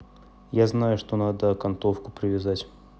я знаю что надо окантовку привязать